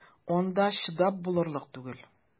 Анда чыдап булырлык түгел!